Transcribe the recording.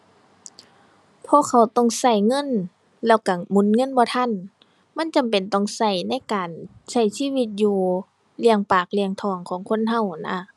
เพราะเขาต้องใช้เงิน แล้วใช้หมุนเงินบ่ทัน มันจำเป็นต้องใช้ในการใช้ชีวิตอยู่ เลี้ยงปากเลี้ยงท้องของคนใช้หั้นน่ะ